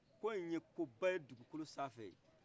ko in koba ye dugukolo san fɛ